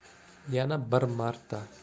yana bir marta